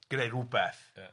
gneu' rhywbeth... Ia.